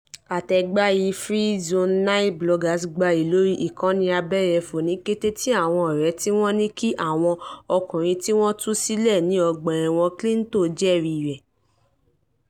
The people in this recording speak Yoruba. Àtẹ̀gbayì #FreeZone9Bloggers gbayì lórí ìkànnì abẹ́yẹfò (Twitter) ní kété tí àwọn ọ̀rẹ́ tí wọ́n kí àwọn ọkùnrin tí wọ́n tú sílẹ̀ ní ọgbà ẹ̀wọ̀n Kilinto jẹ́ rí ẹ̀.